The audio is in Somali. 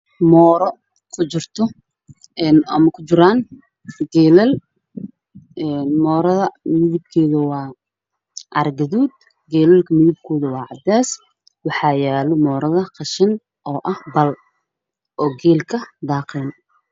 Waa mooro waxaa kujiro geelal. Moorada midabkeedu waa carro gaduud, geelal waa cadeys waxaa yaalo moorada qashin oo bal ah oo geelo daaqo.